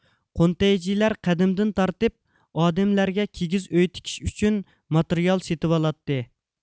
قۇنتەيجىلەر قەدىمدىن تارتىپ ئادەملەرگە كىگىز ئۆي تىكىش ئۈچۈن ماتېرىيال سېتىۋالاتتى